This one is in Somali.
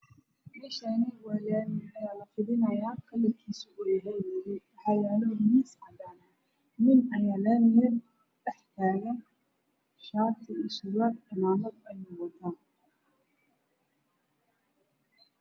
Meeshaan waa laami lafidinaayo kalarkiisu waa madow waxaa yaalo miis cadaan ah nin ayaa laamiga dhex taagan. Shaati iyo surwaal iyo cimaamad wato.